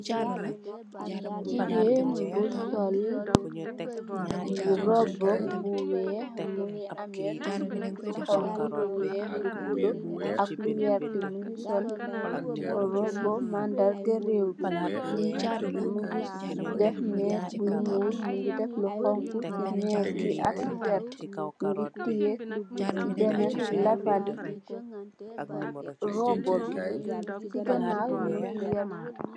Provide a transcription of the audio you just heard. Kii jigéen bu sol, robbu buweex, mu ngi am, lu weex, lu bulo, ak lu werta,... mandarga rëw mi, def mees bu ñuul, lu xoñxu, mees bi ak, lu werta, mu ngi tiye, robba bi, si ganaaw, mu ngi werta.